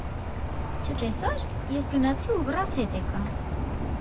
֊ Չտեսա՞ր՝ ես գնացի ու վռ ազ հետ եկա։